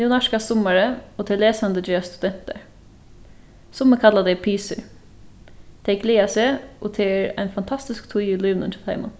nú nærkast summarið og tey lesandi gerast studentar summi kalla tey pisur tey gleða seg og tað er ein fantastisk tíð í lívinum hjá teimum